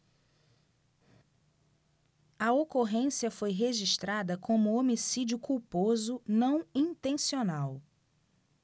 a ocorrência foi registrada como homicídio culposo não intencional